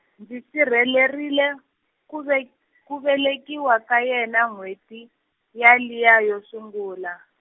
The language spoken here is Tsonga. ndzi sirhelerile ku ve- ku velekiwa ka yena n'hweti, yaliya yo sungula.